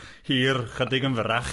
hir, chydig yn fyrrach.